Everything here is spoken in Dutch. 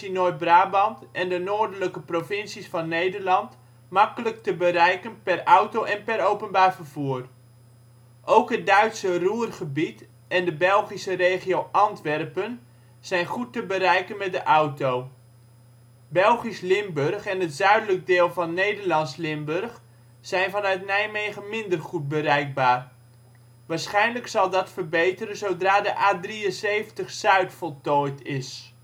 Noord-Brabant en de noordelijke provincies van Nederland makkelijk te bereiken per auto en per openbaar vervoer. Ook het Duitse Ruhrgebied en de Belgische regio Antwerpen zijn goed te bereiken met de auto. Belgisch-Limburg en het zuidelijke deel van Nederlands-Limburg zijn vanuit Nijmegen minder goed bereikbaar. Waarschijnlijk zal dat verbeteren zodra de A73-zuid voltooid is